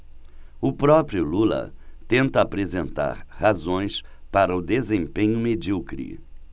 o próprio lula tenta apresentar razões para o desempenho medíocre